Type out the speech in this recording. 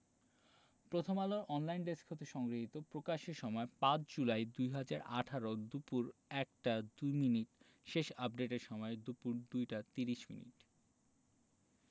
প্রথমআলোর online desk হতে সংগৃহীত প্রকাশের সময় ৫ জুলাই ২০১৮ দুপুর ১টা ২মিনিট শেষ আপডেটের সময় দুপুর ২টা ৩০ মিনিট